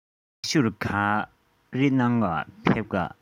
ནག ཆུར ག རེ གནང བར ཕེབས ཀ